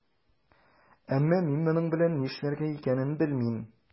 Әмма мин моның белән нишләргә икәнен белмим.